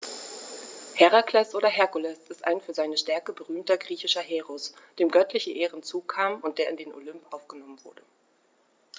Herakles oder Herkules ist ein für seine Stärke berühmter griechischer Heros, dem göttliche Ehren zukamen und der in den Olymp aufgenommen wurde.